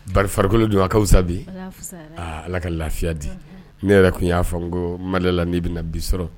Bari, farikolokolo don a ka fisa bi? Walayi a fisaya Aa Ala ka lafiya di ne yɛrɛ tun y'a fɔ ko ma d'a la, n'i bɛ na bi sɔrɔ.